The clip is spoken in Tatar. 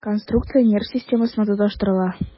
Конструкция нерв системасына тоташтырыла.